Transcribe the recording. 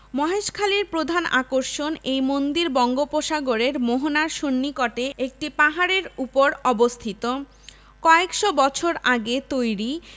মহেশখালীর প্রধান আকর্ষণ এই মন্দির বঙ্গোপসাগরের মোহনার সন্নিকটে একটি পাহাড়ের উপর অবস্থিত কয়েকশ বছর আগে তৈরি